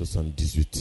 78